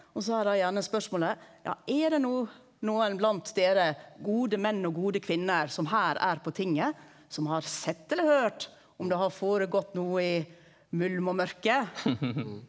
og så har dei gjerne spørsmålet ja er det no nokon blant dykk gode menn og gode kvinner som her er på tinget som har sett eller høyrt om det har føregått noko i mulm og mørke.